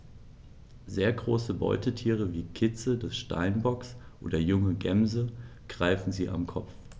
Sehr große Beutetiere wie Kitze des Steinbocks oder junge Gämsen greifen sie am Kopf.